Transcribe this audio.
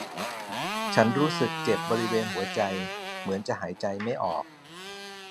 ฉันรู้สึกเจ็บบริเวณหัวใจเหมือนจะหายใจไม่ออก